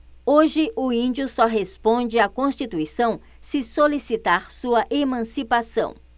hoje o índio só responde à constituição se solicitar sua emancipação